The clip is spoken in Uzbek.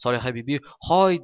solihabibi hoy